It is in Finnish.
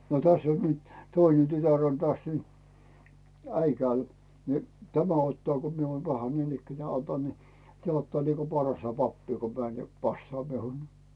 no tässä on nyt toinen tytär on tässä nyt Äikäällä niin tämä ottaa kun minä olen paha niinikään otan niin tämä ottaa niin kuin parasta pappia kun menen ja passaa minun